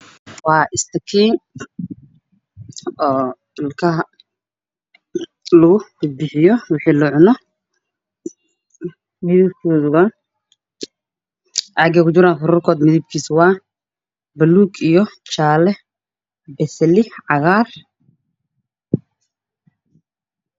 Waa istakiin oo lagu bixiyo ilkaha oo fara badan oo baakado kala jiro mid waa gidid mid waa caddaan fara badan